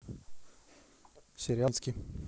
сериал пятницкий